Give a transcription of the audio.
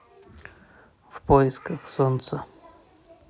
в поисках солнца